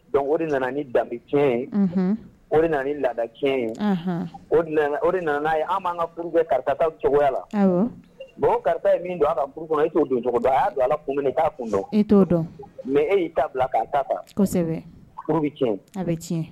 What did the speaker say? Dɔnku o nana ni danbeɛn o de nana ni laada tiɲɛ ye o de nana' an b'an ka furu kɛ karatata cogoya la bɔn karata ye min don a ka kɔnɔ e t'o doncogo y'a don ala kun minɛ k'a kun dɔn e t'o dɔn mɛ e y'i ta bila k'a ta bɛ a bɛ tiɲɛ